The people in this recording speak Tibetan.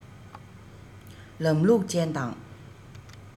ལམ ལུགས ཅན དང